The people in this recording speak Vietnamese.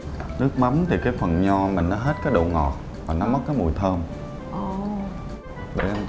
nước mắm thì cái phần nho mình nó hết cái độ ngọt mà nó mất cái mùi thơm để